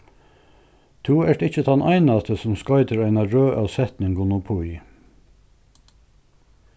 tú ert ikki tann einasti sum skoytir eina røð av setningum uppí